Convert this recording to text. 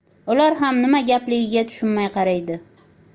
ular ham nima gapligiga tushunmay qaraydi